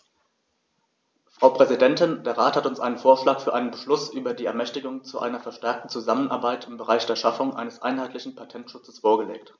Frau Präsidentin, der Rat hat uns einen Vorschlag für einen Beschluss über die Ermächtigung zu einer verstärkten Zusammenarbeit im Bereich der Schaffung eines einheitlichen Patentschutzes vorgelegt.